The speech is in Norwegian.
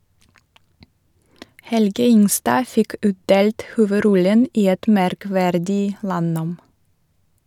Helge Ingstad fikk utdelt hovedrollen i et merkverdig landnåm.